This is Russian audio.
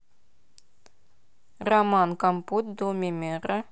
роман компот доме мэра